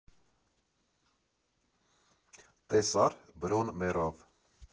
Տեսա՞ր, Բրոն մեռավ։